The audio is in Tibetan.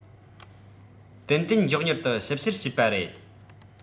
ཏན ཏན མགྱོགས མྱུར དུ ཞིབ བཤེར བྱས པ རེད